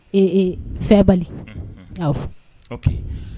Ee fɛ bali